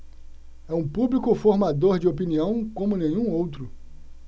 é um público formador de opinião como nenhum outro